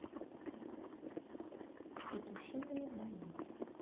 петушинные бои